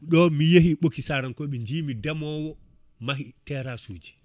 ɗo miyi yeehi Ɓoki Sarankoɓe jiimi deemowo maahi terrasse suji